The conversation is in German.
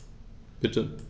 Bitte.